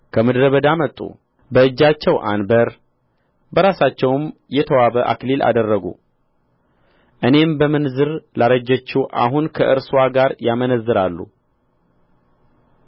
ከምድረ በዳ መጡ በእጃቸው አንበር በራሳቸውም የተዋበ አክሊል አደረጉ እኔም በምንዝር ላረጀችው አሁን ከእርስዋ ጋር ያመነዝራሉ